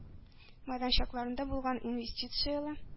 Мәйданчыкларында булган инвестицияле